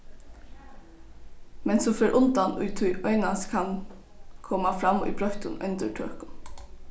men sum fer undan í tí einans kann koma fram í broyttum endurtøkum